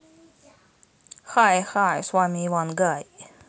хай хай с вами иван гай